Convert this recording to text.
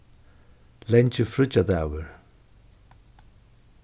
langi fríggjadagur